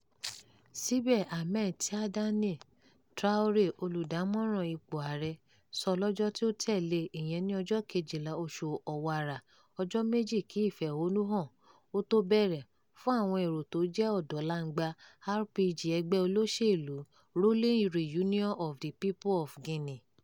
Síbẹ̀, Ahmed Tidiane Traoré, olùdámọ̀ràn ipò ààrẹ, sọ lọ́jọ́ tí ó tẹ̀lé e, ìyẹn ní ọjọ́ 12 oṣù Ọ̀wàrà, — ọjọ́ méjì kí ìfẹ̀hònúhàn ó tó bẹ̀rẹ̀, — fún àwọn èrò tó jẹ́ ọ̀dọ́ langba RPG ẹgbẹ́ olóṣèlúu [ruling Reunion of the People of Guinea]: